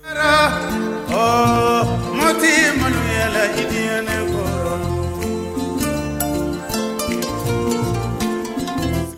Siran ɔ matigi balimaya i ne kɔrɔ